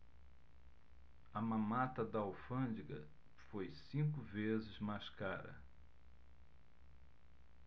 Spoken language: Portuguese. a mamata da alfândega foi cinco vezes mais cara